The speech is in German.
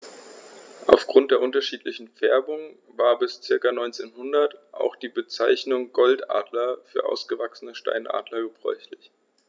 Auf Grund der unterschiedlichen Färbung war bis ca. 1900 auch die Bezeichnung Goldadler für ausgewachsene Steinadler gebräuchlich.